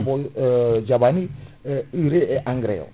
hol jaaɓani urée et engrais o